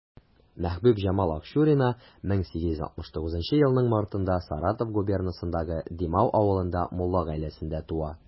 Мәхбүбҗамал Акчурина 1869 елның мартында Саратов губернасындагы Димау авылында мулла гаиләсендә туа.